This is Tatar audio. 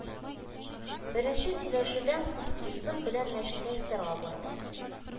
Беренче сөйләшүдән соң, дустым белән мәчеткә ифтарга бардык